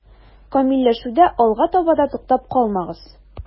Камилләшүдә алга таба да туктап калмагыз.